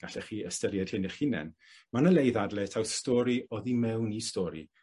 gallech chi ystyried hyn 'ych hunen, ma' 'na le i ddadle taw stori oddi mewn i stori